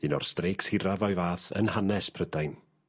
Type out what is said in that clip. Un o'r strecs hiraf o'i fath yn hanes Prydain.